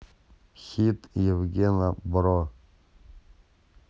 хит евгена бро